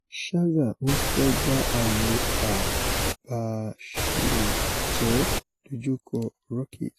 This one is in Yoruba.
Scherzer ńfẹ́ gba ayò abàṣèjẹ́ dojúkọ. Rockies